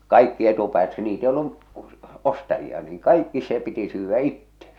kaikki etupäät niitä ei ollut ostajia niin kaikki se piti syödä itse